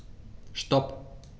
Stop.